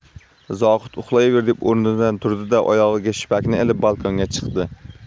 zohid uxlayver deb o'rnidan turdi da oyog'iga shippakni ilib balkonga chiqdi